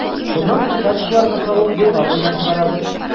Шуннан соң, тачкаларга салып, елга буена чыгарабыз.